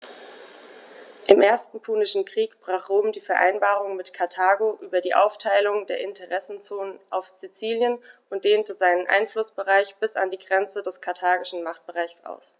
Im Ersten Punischen Krieg brach Rom die Vereinbarung mit Karthago über die Aufteilung der Interessenzonen auf Sizilien und dehnte seinen Einflussbereich bis an die Grenze des karthagischen Machtbereichs aus.